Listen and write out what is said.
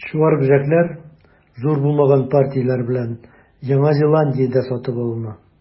Чуар бөҗәкләр, зур булмаган партияләр белән, Яңа Зеландиядә сатып алына.